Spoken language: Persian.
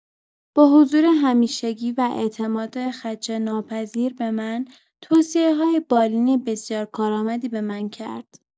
با حضور همیشگی و اعتقاد خدشه‌ناپذیرش به من، توصیه‌های بالینی بسیار کارآمدی به من کرد.